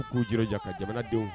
U k'u jiraja ka jamanadenw